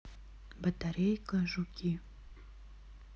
батарейка жуки